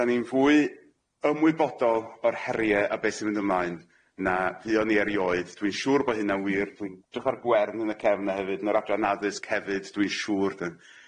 Dan ni'n fwy ymwybodol o'r herie a be' sy mynd ymlaen na fuon ni erioedd dwi'n siŵr bo' hynna'n wir dwi'n edrych ar Gwern yn y cefn yna hefyd yn yr adran addysg hefyd dwi'n siŵr de.